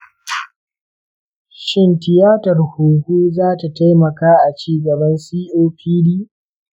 shin tiyatar huhu za ta taimaka a ci gaban copd?